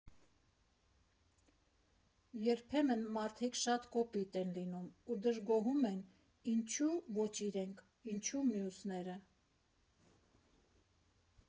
Երբեմն մարդիկ շատ կոպիտ են լինում ու դժգոհում են՝ ինչո՞ւ ոչ իրենք, ինչո՞ւ մյուսները։